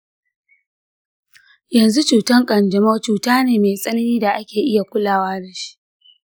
yanzu cutan ƙanjamau cuta ne mai tsanani da ake iya kulawa dashi.